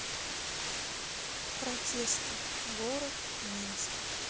протесты город минск